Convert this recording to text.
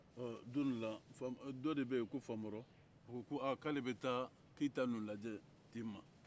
ɔ don dɔ la ɔ dɔ de bɛ yen ko famɔrɔ a ko ko a k'ale bɛ taa keyita ninnu lajɛ tema